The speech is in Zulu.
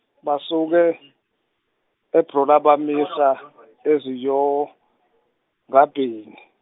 basuke Ebrona bamisa Eziyongabheri.